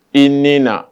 I ni